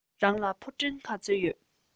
རང ལ ཕུ འདྲེན ག ཚོད ཡོད